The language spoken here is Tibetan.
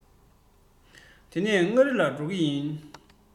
དེ ནས མངའ རིས ལ འགྲོ གི ཡིན